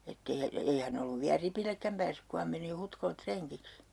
että ei ja ei hän ollut vielä ripillekään päässyt kun hän meni Hutkolle rengiksi